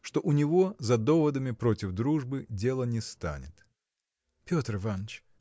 что у него за доводами против дружбы дело не станет. – Петр Иваныч!